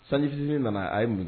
Sali ficiini nana a ye mun kɛ?